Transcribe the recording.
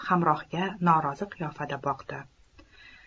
hamrohiga norozi qiyofada boqdi